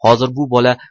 hozir bu bola